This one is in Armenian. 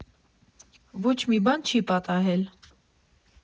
Ոչ մի բան չի պատահել…